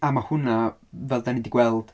A mae hwnna, fel dan ni 'di gweld...